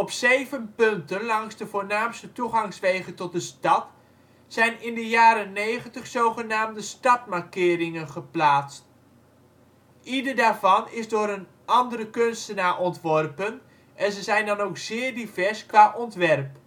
zeven punten langs de voornaamste toegangswegen tot de stad zijn in de jaren negentig zogenaamde stadmarkeringen geplaatst. Ieder daarvan is door een andere kunstenaar ontworpen en ze zijn dan ook zeer divers qua ontwerp